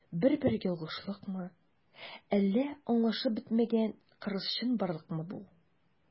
Бер-бер ялгышлыкмы, әллә аңлашылып бетмәгән кырыс чынбарлыкмы бу?